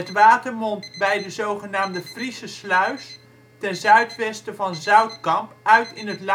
water mondt bij de zogenaamde Friese Sluis ten zuidwesten van Zoutkamp uit in het Lauwersmeer